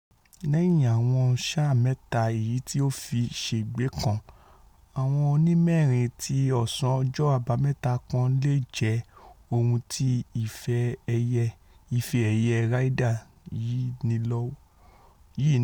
Lẹ́yìn àwọn sáà mẹ́ta èyití ó fì sẹ́ẹ̀gbẹ́ kan, àwọn onímẹ́rin ti ọ̀sán ọjọ́ Àbámẹ́ta kàn leè jẹ́ ohun tí Ife-ẹ̀yẹ Ryder yìí nílò.